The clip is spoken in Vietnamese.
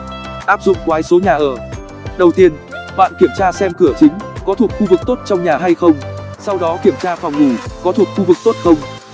áp dụng quái số nhà ở đầu tiên bạn kiểm tra xem cửa chính có thuộc khu vực tốt trong nhà hay không sau đó kiểm tra phòng ngủ có thuộc khu vực tốt không